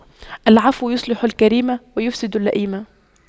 العفو يصلح الكريم ويفسد اللئيم